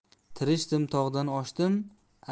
tirishdim tog'dan oshdim